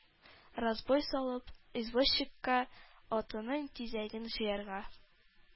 Разбой салып, извозчикка атының тизәген җыярга,